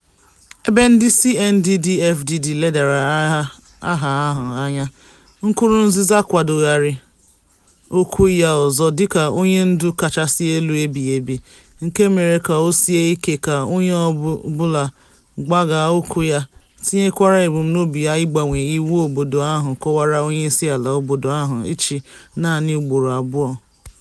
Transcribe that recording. Ebe ndị CNDD-FDD ledara aha ahụ anya, Nkurunziza kwadogharị ọkwá ya ọzọ dịka "onye ndu kachasị elu ebighị ebi" nke mere ka o sie ike ka onye ọbụla gbagha okwu ya, tinyekwara ebumnobi ya ịgbanwe iwu obodo ahụ kwadoro onyeisiala obodo ahụ ịchị naanị ugboro abụọ.